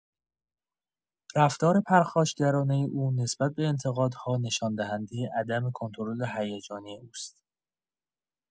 رفتار پرخاشگرانۀ او نسبت به انتقادها نشان‌دهنده عدم کنترل هیجانی اوست.